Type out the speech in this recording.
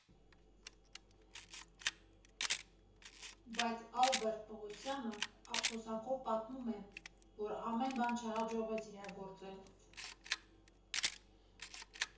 Բայց Ալբերտ Պողոսյանը ափսոսանքով պատմում է, որ ամեն բան չհաջողվեց իրագործել։